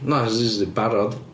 Na, wnest ti jyst ddeud barod.